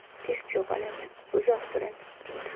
tez cho'g' oladi uzoq turadi